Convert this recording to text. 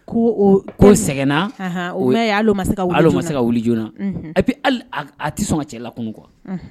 Ko ko sɛgɛnna o ma se ka ma se ka wuli joonana a bɛ a tɛ sɔn ka cɛlakun kuwa